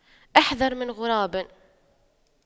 أحذر من غراب